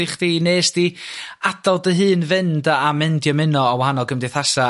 i chdi? 'Nes di adal dy hun fynd a mynd i ymuno â wahanol gymdeithasa'